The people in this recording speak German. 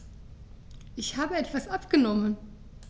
Ich habe etwas abgenommen.